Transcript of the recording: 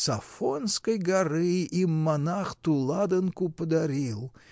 с Афонской горы им монах ту ладанку подарил.